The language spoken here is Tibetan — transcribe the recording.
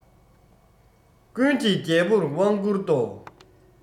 ཀུན གྱིས རྒྱལ པོར དབང བསྐུར ཏོ